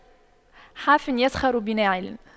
حافٍ يسخر بناعل